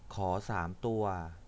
ขอสามตัว